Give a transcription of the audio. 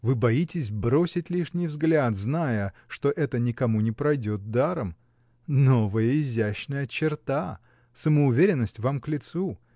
Вы боитесь бросить лишний взгляд, зная, что это никому не пройдет даром. Новая изящная черта! Самоуверенность вам к лицу.